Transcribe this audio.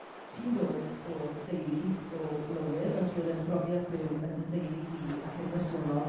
Ti'n dod o deulu o lowyr, felly oedd e'n brofiad byw yn dy deulu di ac yn bersonol.